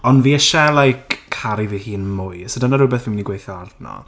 Ond fi isie, like caru fy hun mwy. So, dyna rhywbeth fi'n mynd i gweithio arno.